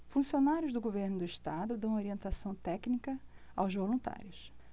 funcionários do governo do estado dão orientação técnica aos voluntários